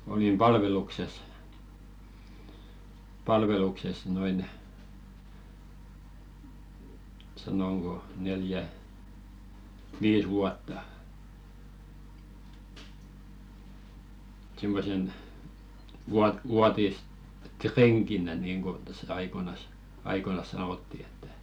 olin palveluksessa palveluksessa noin sanonko neljä viisi vuotta semmoisena - vuotisrenkinä niin kuin tässä aikoinaan aikoinaan sanottiin että